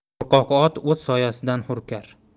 qo'rqoq ot o'z soyasidan hurkar